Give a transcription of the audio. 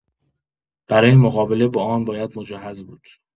برای مقابله با آن باید مجهز بود.